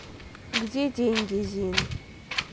где деньги зин